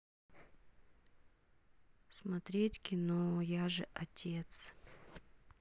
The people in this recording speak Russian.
смотреть кино я же отец